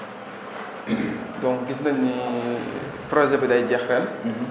donc gis nañ nii projet bi day jeex ren